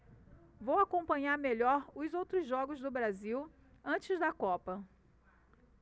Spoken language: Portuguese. vou acompanhar melhor os outros jogos do brasil antes da copa